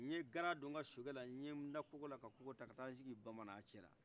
ɲe gara do nka sokɛla ɲe da kokola ka kokota ka taa sigi bamanan cɛla